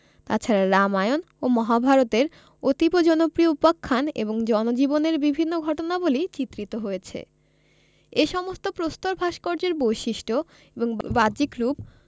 তাছাড়া রামায়ণ ও মহাভারত এর অতীব জনপ্রিয় উপাখ্যান এবং জনজীবনের বিভিন্ন ঘটনাবলি চিত্রিত হয়েছে এ সমস্ত প্রস্তর ভাস্কর্যের বৈশিষ্ট্য এবং বাহ্যিক রূপ